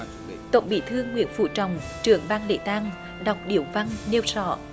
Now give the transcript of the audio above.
tổng bí thư nguyễn phú trọng trưởng ban lễ tang đọc điếu văn nêu rõ